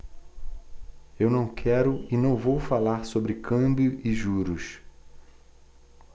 eu não quero e não vou falar sobre câmbio e juros